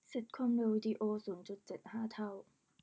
เซ็ตความเร็ววีดีโอศูนย์จุดเจ็ดห้าเท่า